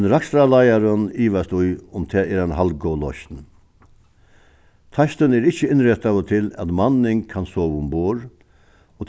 men rakstrarleiðarin ivast í um tað er ein haldgóð loysn teistin er ikki innrættaður til at manning kann sova umborð